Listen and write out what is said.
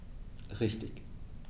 Richtig